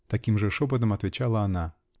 -- таким же шепотом отвечала она.